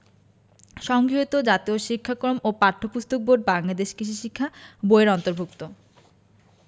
সংগৃহীত জাতীয় শিক্ষাক্রম ও পাঠ্যপুস্তক বোর্ড বাংলাদেশ কিষি শিক্ষা বই এর অন্তর্ভুক্ত